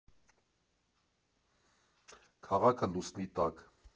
Քաղաքը լուսնի տակ։